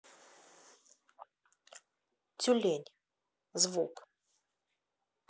тюлень звук